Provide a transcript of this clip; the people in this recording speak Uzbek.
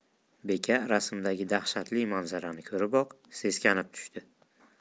beka rasmdagi dahshatli manzarani ko'riboq seskanib tushdi